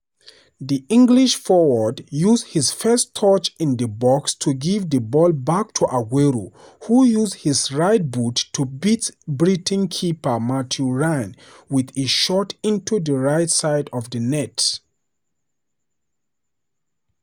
The English forward used his first touch in the box to give the ball back to Aguero, who used his right boot to beat Brighton keeper Mathew Ryan with a shot into the right side of the net.